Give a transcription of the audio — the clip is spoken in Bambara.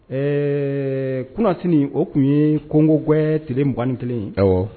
Ee kunnas o tun ye kogo gɛn tileugannen kelen aw